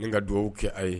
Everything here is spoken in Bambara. yani n ka dugawu kɛ a ye